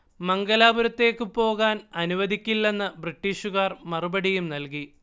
മംഗലാപുരത്തേക്ക് പോകാൻ അനുവദിക്കില്ലെന്ന് ബ്രിട്ടീഷുകാർ മറുപടിയും നൽകി